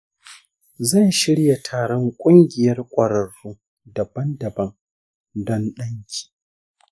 zan shirya taron ƙungiyar kwararru daban-daban don ɗan ki.